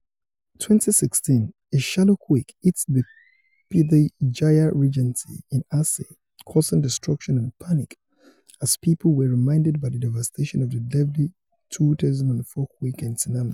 2016: A shallow quake hit the Pidie Jaya regency in Aceh, causing destruction and panic as people were reminded by the devastation of the deadly 2004 quake and tsunami.